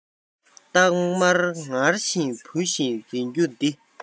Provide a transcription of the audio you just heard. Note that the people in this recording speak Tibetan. སྟག དམར ངར བཞིན བུ བཞིན འཛིན རྒྱུ འདི